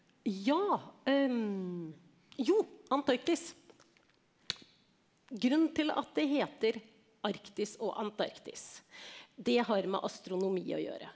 ja jo Antarktis grunnen til at det heter Arktis og Antarktis det har med astronomi å gjøre.